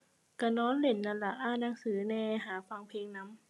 ก็นอนเล่นนั่นล่ะ อ่านหนังสือแหน่ หาฟังเพลงนำ